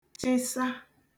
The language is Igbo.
chịsa